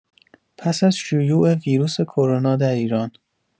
پس از شیوع ویروس کرونا در ایران